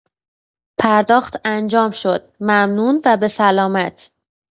پرداخت انجام شد، ممنون و به سلامت.